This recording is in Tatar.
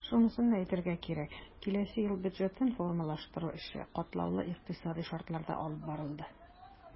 Шунысын да әйтергә кирәк, киләсе ел бюджетын формалаштыру эше катлаулы икътисадый шартларда алып барылды.